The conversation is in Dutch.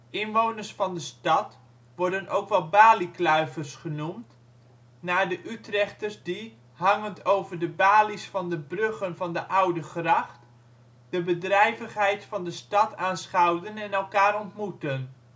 Inwoners van de stad worden ook wel ' baliekluivers ' genoemd, naar de Utrechters die, hangend over de balies van de bruggen van de Oudegracht, de bedrijvigheid in de stad aanschouwden en elkaar ontmoetten